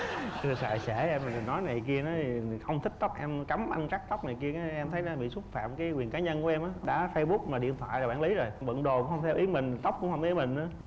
xà xả em rồi nói này kia nói không thích tóc em cấm anh cắt tóc này kia cái em thấy nó bị xúc phạm cái quyền cá nhân của em á đã phây búc rồi điện thọai là quản lí rồi bận đồ cũng không theo ý mình tóc cũng không theo ý mình nữa